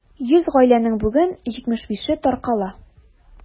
100 гаиләнең бүген 75-е таркала.